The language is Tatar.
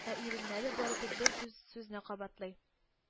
Ә иреннәре бары тик бер күз сүзне кабатлый: